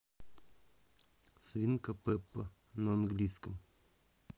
свинка пеппа на английском